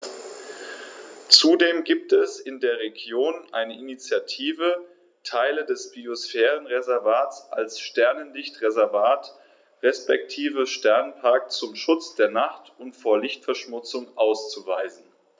Zudem gibt es in der Region eine Initiative, Teile des Biosphärenreservats als Sternenlicht-Reservat respektive Sternenpark zum Schutz der Nacht und vor Lichtverschmutzung auszuweisen.